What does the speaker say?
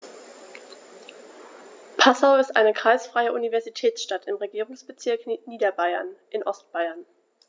Passau ist eine kreisfreie Universitätsstadt im Regierungsbezirk Niederbayern in Ostbayern.